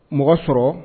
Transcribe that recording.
Mɔgɔ sɔrɔ